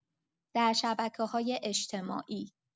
در شبکه‌های اجتماعی